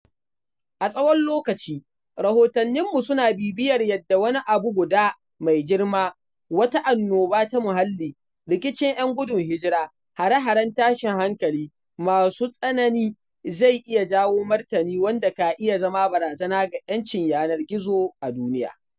A tsawon lokaci, rahotanninmu suna bibiyar yadda wani abu guda mai girma, wata annoba ta muhalli, rikicin ‘yan gudun hijira, hare-haren tashin hankali masu tsanani zai iya jawo martani wanda ka iya zama barazana ga 'yancin yanar gizo a duniya.